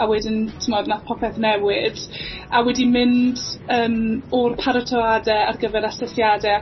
A wedyn, t'mod, nath popeth newid, a wedi mynd yym o'r paratoade ar gyfer asesiade a